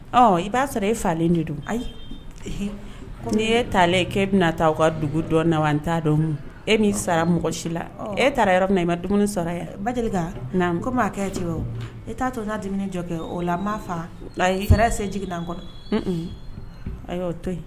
Ɔ i b'a sɔrɔ e falenlen de don ayi n e'len e bɛna taa u ka dugu dɔn na wa an n t'a dɔn e'i sara mɔgɔ si la e taara yɔrɔ na i ma dumuni sara ba deli na ko ma kɛ ci e t'a to taa daminɛ jɔ kɛ o la ma faa la yɛrɛ se jigilan kɔrɔ' o to yen